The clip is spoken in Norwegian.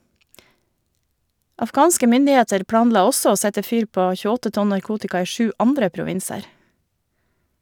Afghanske myndigheter planla også å sette fyr på 28 tonn narkotika i sju andre provinser.